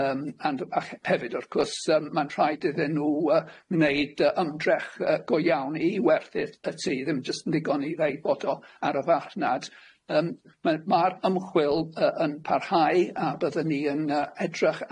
yym and a- he- hefyd wrth gwrs yym ma'n rhaid iddyn nw yy wneud yy ymdrech yy go iawn i werthu'r y tŷ ddim jyst yn ddigon i ddeud bod o ar y farnad yym ma' ma'r ymchwil yy yn parhau a bydden ni yn yy edrych